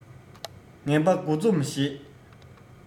ངན པ དགུ འཛོམས ཞེས